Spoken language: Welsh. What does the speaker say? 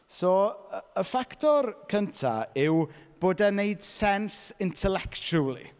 So y y ffactor cynta yw bod e'n wneud sens intellectually.